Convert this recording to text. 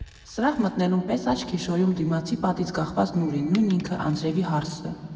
Սրահ մտնելուն պես աչք է շոյում դիմացի պատից կախված Նուրին, նույն ինքը՝ Անձրևի հարսը։